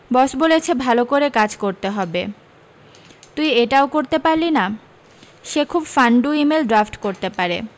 বস বলেছে ভালো করে কাজ করতে হবে তুই এটাও করতে পারলি না সে খুব ফান্ডু ইমেল ড্রাফট করতে পারে